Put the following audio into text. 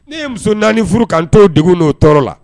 Ne ye muso naani furu kan to de n'o tɔɔrɔ la